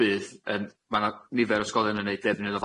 Bydd ymm ma' 'na nifer o ysgolion yn neud defnydd o